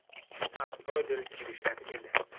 astoydil kirishar edi